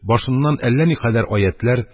Башыннан әллә никадәр аятьләр,